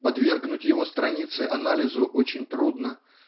подвергнуть его страницы анализу очень трудно